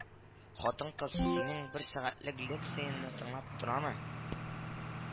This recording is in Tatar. Хытын-кыз синен бер сәгатьлек лекцияңне тынлап торамы